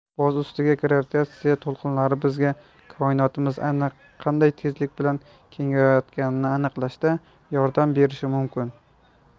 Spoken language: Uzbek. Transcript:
boz ustiga gravitatsiya to'lqinlari bizga koinotimiz aynan qanday tezlik bilan kengayotganini aniqlashda yordam berishi mumkin